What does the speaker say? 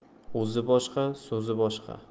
o'zi boshqa so'zi boshqa